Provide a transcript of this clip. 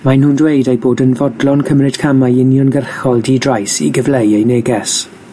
Mae nhw'n dweud eu bod yn fodlon cymryd camau uniongyrchol, di-drais i gyfleu eu neges.